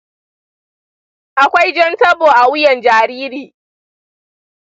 akwai jan tabo a wuyan jariri.